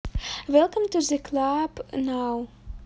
welcome to the club now